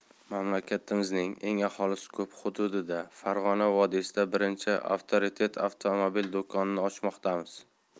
mamlakatimizning eng aholisi ko'p hududida farg'ona vodiysida birinchi avtoritet avtomobil do'konini ochmoqdamiz